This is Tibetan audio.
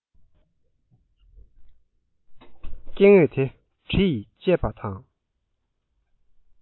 སྐྱེས དངོས དེ གྲི ཡིས བཅད པ དང